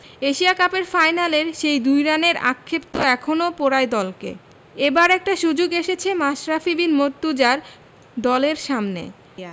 Asia কাপের ফাইনালের সেই ২ রানের আক্ষেপ তো এখনো পোড়ায় দলকে এবার একটা সুযোগ এসেছে মাশরাফি বিন মুর্তজার দলের সামনে